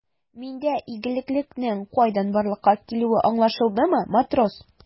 Миндә игелеклелекнең кайдан барлыкка килүе аңлашылдымы, матрос?